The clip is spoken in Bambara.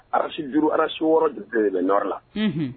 Ararasij duuru ara se wɔɔrɔ bɛyɔrɔ la